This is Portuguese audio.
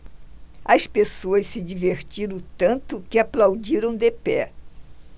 as pessoas se divertiram tanto que aplaudiram de pé